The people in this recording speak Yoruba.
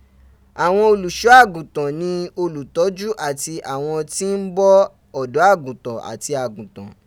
Awon Oluso agutan ni olutoju ati awon ti n bo odo aguntan ati agutan.